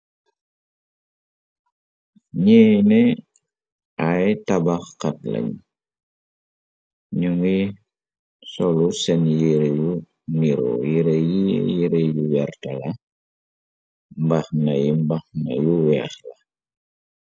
Neene ay tabax xat lañ ño ngi solu seen yére yu niroo. Yére yi yére yu werta la mbax na yi mbaxna yu weex la.